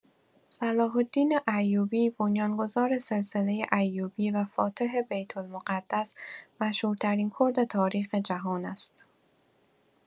صلاح‌الدین ایوبی، بنیان‌گذار سلسله ایوبی و فاتح بیت‌المقدس، مشهورترین کرد تاریخ جهان است.